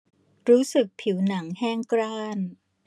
รู้สึกผิวหนังแห้งกร้าน